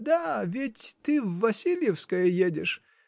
-- Да, ведь ты в Васильевское едешь.